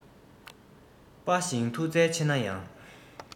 དཔའ ཞིང མཐུ རྩལ ཆེ ན ཡང